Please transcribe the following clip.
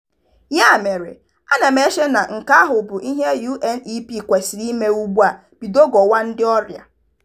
Ya mere, ana m eche na nke ahụ bụ ihe UNEP kwesiri ime ugbu a: bido gwọwa ndị ọrịa.